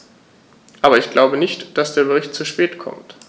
Aber ich glaube nicht, dass der Bericht zu spät kommt.